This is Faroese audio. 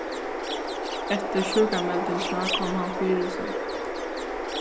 eftir sjúkrameldingina kom hann fyri seg